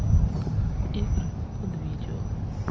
игры под видео